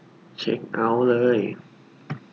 เช็คเอ้าท์เลย